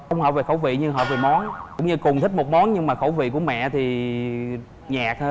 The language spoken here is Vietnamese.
không hợp về khẩu vị nhưng hợp về món cũng như cùng thích một món nhưng mà khẩu vị của mẹ thì nhạt hơn